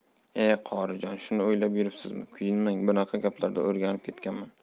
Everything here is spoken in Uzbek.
e qorijon shuni o'ylab yuribsizmi kuyinmang bunaqa gaplarga o'rganib ketganman